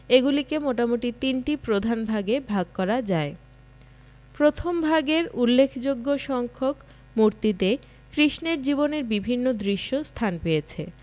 এগুলিকে মোটামোটি তিনটি প্রধান ভাগে ভাগ করা যায় প্রথম ভাগের উল্লেখযোগ্য সংখ্যক মূর্তিতে কৃষ্ণের জীবনের বিভিন্ন দৃশ্য স্থান পেয়েছে